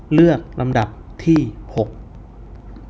เลือกลำดับที่หก